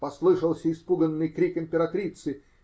Послышался испуганный крик императрицы